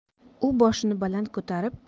u boshini baland ko'tarib